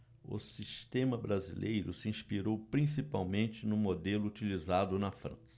o sistema brasileiro se inspirou principalmente no modelo utilizado na frança